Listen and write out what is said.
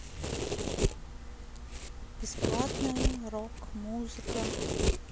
бесплатная рок музыка